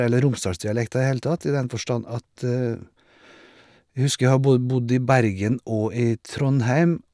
Eller Romsdals-dialekta i hele tatt, i den forstand at jeg husker jeg har bo bodd i Bergen og i Trondheim.